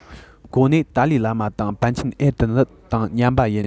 གོ གནས ཏཱ ལའི བླ མ དང པཎ ཆེན ཨེར ཏེ ནི དང མཉམ པ ཡིན